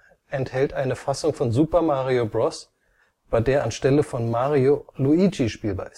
enthält eine Fassung von Super Mario Bros., bei der anstelle von Mario Luigi spielbar